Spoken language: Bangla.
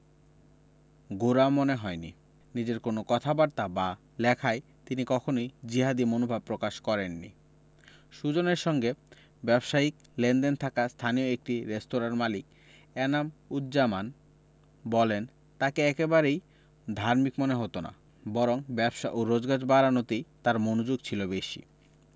গোঁড়া মনে হয়নি নিজের কোনো কথাবার্তা বা লেখায় তিনি কখনোই জিহাদি মনোভাব প্রকাশ করেননি সুজনের সঙ্গে ব্যবসায়িক লেনদেন থাকা স্থানীয় একটি রেস্তোরাঁর মালিক এনাম উজজামান বলেন তাঁকে একেবারেই ধার্মিক মনে হতো না বরং ব্যবসা ও রোজগার বাড়ানোতেই তাঁর মনোযোগ ছিল বেশি